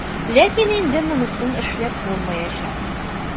Ләкин инде монысын эшләп булмаячак.